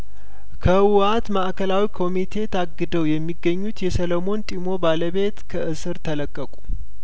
ከህወሀት ማእከላዊ ኮሚቴ ታግደው የሚገኙት የሰለሞን ጢሞ ባለቤት ከእስር ተለቀቁ